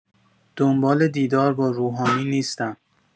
دنبال دیدار با روحانی نیستم.